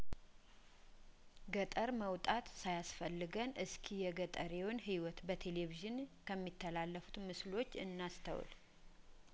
ገጠር መውጣት ሳያስፈልገን እስኪ የገጠሬውን ህይወት በቴሌቪዥን ከሚ ተላለፉ ትምስሎች እና ስተውል